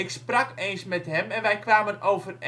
sprak eens met hem en wij kwamen overeen